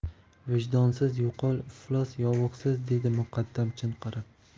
vijdonsiz yo'qol iflos yuvuqsiz dedi muqaddam chinqirib